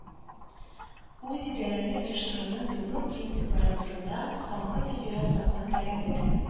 Үзидарәне оештыруның гомум принциплары турында” санлы федераль закон таләбе дә